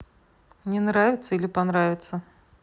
не нравится или понравится